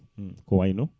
ko wayno